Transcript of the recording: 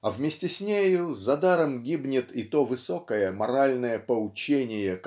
а вместе с нею задаром гибнет и то высокое моральное поучение